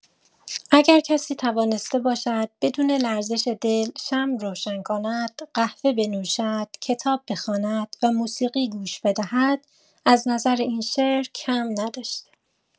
اگر کسی توانسته باشد بدون لرزش دل، شمع روشن کند، قهوه بنوشد، کتاب بخواند و موسیقی گوش بدهد، از نظر این شعر، کم نداشته؛